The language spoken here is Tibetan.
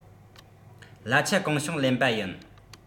གླ ཆ གང བྱུང ལེན པ ཡིན